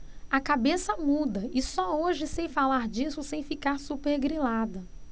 a cabeça muda e só hoje sei falar disso sem ficar supergrilada